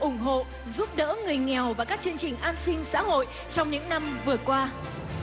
ủng hộ giúp đỡ người nghèo và các chương trình an sinh xã hội trong những năm vừa qua